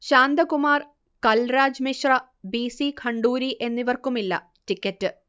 Shantakumar, Kalraj Mishra, B. C Khanduri എന്നിവർക്കുമില്ല ticket